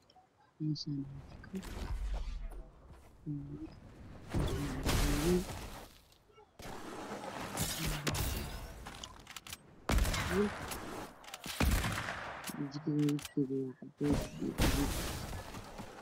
Meeshaan waajiko kalarkeedu yahay madow qaxwii caddeys cadaan waxa ay muuqata biyaha